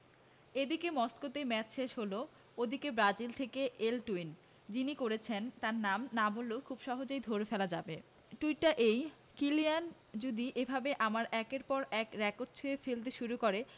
এদিকে মস্কোতে ম্যাচ শেষ হলো ওদিকে ব্রাজিল থেকে এল টুইট যিনি করেছেন তাঁর নাম না বললেও খুব সহজেই ধরে ফেলা যাবে টুইটটা এই কিলিয়ান যদি এভাবে আমার একের পর এক রেকর্ড ছুঁয়ে ফেলতে শুরু করে